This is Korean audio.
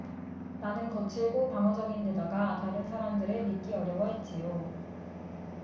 나는 거칠고 방어적인 데다가 다른 사람들을 믿기 어려워했지요